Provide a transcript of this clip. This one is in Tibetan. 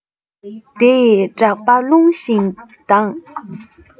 དེ ཡི གྲགས པ རླུང བཞིན ལྡང